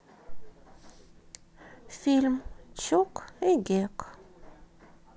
фильм чук и гек